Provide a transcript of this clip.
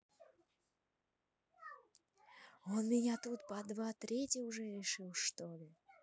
он меня тут под два третий уже решил что ли